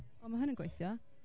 Wel, mae hyn yn gweithio.